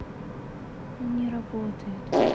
ну не работает